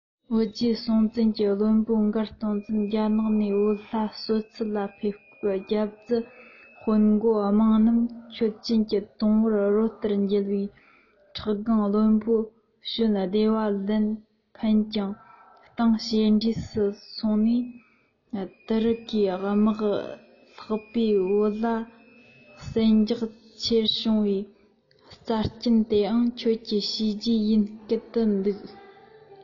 བོད རྗེ སྲོང བཙན གྱི བློན པོ མགར བ སྟོང བཙན རྒྱ ནག ནས བོད ལྷ གསོལ ཚུལ ལ ཕེབས སྐབས རྒྱབ རྫི དཔོན འགོ དམངས རྣམས ཁྱོད ཅན གྱི བཏུང བས རོ ལྟར འགྱེལ བས འཕྲལ སྒང བློན པོ བྱོན བདེ བ ལན ཕན ཀྱང རྟིང ཞེ འགྲས སུ སོང ནས དུ རུ ཀའི དམག ལྷགས པས བོད ལ ཟན རྒྱག ཆེར བྱུང བའི རྩ རྐྱེན དེའང ཁྱོད ཀྱི བྱས རྗེས ཡིན སྐད འདུག